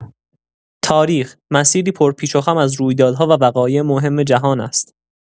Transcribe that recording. تاریخ، مسیری پر پیچ و خم از رویدادها و وقایع مهم جهان است.